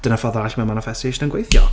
Dyna ffordd arall mae manifestation yn gweithio.